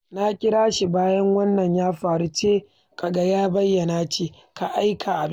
Na kira shi bayan wannan ya faru, cewa kage ya bayyana, na ce, 'Ka aika abin?'